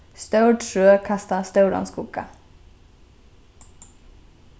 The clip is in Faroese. stór trø kasta stóran skugga